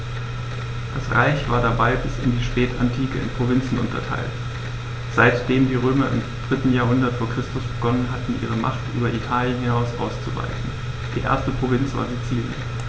Das Reich war dabei bis in die Spätantike in Provinzen unterteilt, seitdem die Römer im 3. Jahrhundert vor Christus begonnen hatten, ihre Macht über Italien hinaus auszuweiten (die erste Provinz war Sizilien).